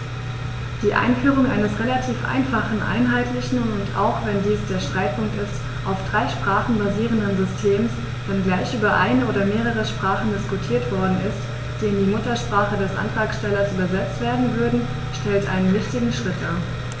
Die Einführung eines relativ einfachen, einheitlichen und - auch wenn dies der Streitpunkt ist - auf drei Sprachen basierenden Systems, wenngleich über eine oder mehrere Sprachen diskutiert worden ist, die in die Muttersprache des Antragstellers übersetzt werden würden, stellt einen wichtigen Schritt dar.